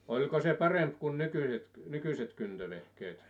oliko se parempi kuin nykyiset nykyiset kyntövehkeet